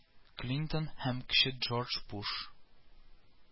Клинтон һәм кече Джордж Буш